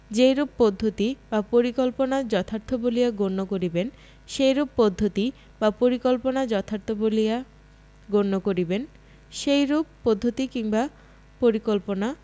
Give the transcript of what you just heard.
যেইরূপ পদ্ধতি বা পরিকল্পনা যথার্থ বলিয়া গণ্য করিবেন সেইরূপ পদ্ধতি বা পরিকল্পনা যথার্থ বলিয়া গণ্য করিবেন সেইরূপ পদ্ধতি কিংবা পরিকল্পনা